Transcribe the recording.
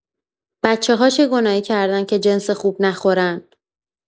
بچه‌ها چه گناهی کردن که جنس خوب نخورن؟